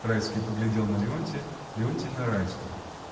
Райский поглядел на Леонтья, Леонтий на Райского.